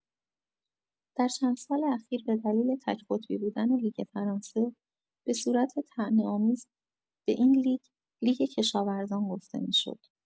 در چند سال اخیر به دلیل تک‌قطبی بودن لیگ فرانسه، به صورت طعنه‌آمیز به این لیگ «لیگ کشاورزان» گفته می‌شد.